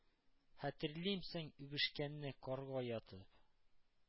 Хәтерлимсең үбешкәнне карга ятып,